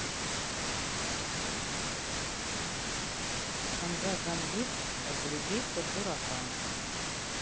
ханза гамбит влюбиться в дурака